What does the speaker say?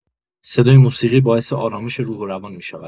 صدای موسیقی باعث آرامش روح و روان می‌شود.